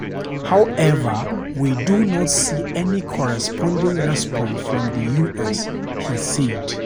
"However, we do not see any corresponding response from the U.S.," he said.